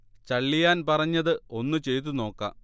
ചള്ളിയാൻ പറഞ്ഞത് ഒന്ന് ചെയ്തു നോക്കാം